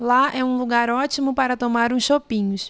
lá é um lugar ótimo para tomar uns chopinhos